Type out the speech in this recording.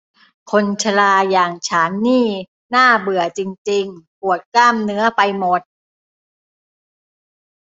คนชราอย่างฉันนี่น่าเบื่อจริงจริงปวดกล้ามเนื้อไปหมด